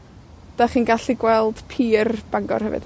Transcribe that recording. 'Dach chi'n gallu gweld pier Bangor hefyd.